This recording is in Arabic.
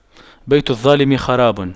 بيت الظالم خراب